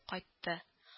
Кайтты